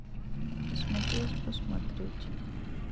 посмотреть посмотреть